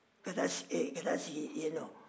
ka taa ɛɛ ka taa sigi yen nɔ